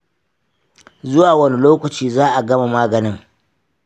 zuwa wani lokaci za'a gama maganin?